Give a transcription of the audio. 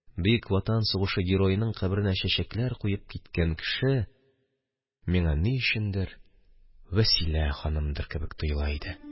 Бөек Ватан сугышы героеның каберенә чәчәкләр куеп киткән кеше миңа ни өчендер Вәсилә ханымдыр кебек тоела иде.